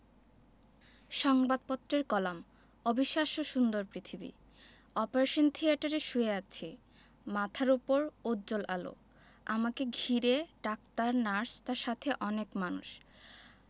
সংবাদপত্রের কলাম অবিশ্বাস্য সুন্দর পৃথিবী অপারেশন থিয়েটারে শুয়ে আছি মাথার ওপর উজ্জ্বল আলো আমাকে ঘিরে ডাক্তার নার্স তার সাথে অনেক মানুষ